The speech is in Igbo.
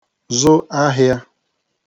-zụ ahịā